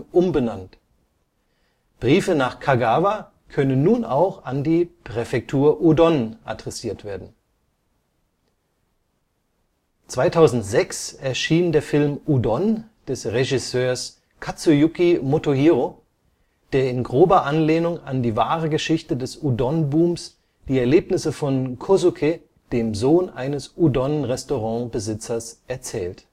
umbenannt “, Briefe nach Kagawa können nun auch an die „ Präfektur Udon “adressiert werden. 2006 erschien der Film Udon des Regisseurs Katsuyuki Motohiro, der in grober Anlehnung an die wahre Geschichte des „ Udon-Booms “die Erlebnisse von Kosuke, dem Sohn eines Udon-Restaurant-Besitzers erzählt